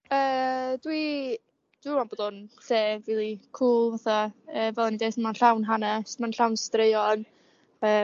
Yy dwi dwi'n meddwl bod o'n lle rili cŵl fatha' fel oni'n deud ma' llawn hanes ma'n llawn streuon